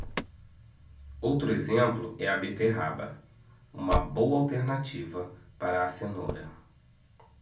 outro exemplo é a beterraba uma boa alternativa para a cenoura